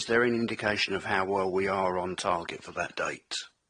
Is there any indication of how well we are on target for that date?